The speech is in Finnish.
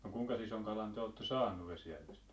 no kuinkas ison kalan te olette saanut Vesijärvestä